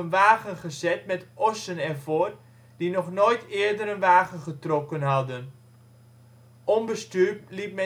wagen gezet met ossen ervoor die nog nooit eerder een wagen getrokken hadden. Onbestuurd liet